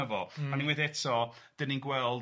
A unwaith eto 'dan ni'n gweld,